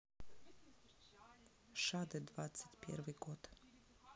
шаде двадцать первый год